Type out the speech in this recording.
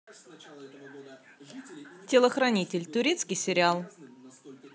телохранитель турецкий сериал